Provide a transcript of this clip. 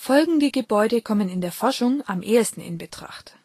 Gebäude kommen in der Forschung am ehesten in Betracht